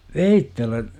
veitsellä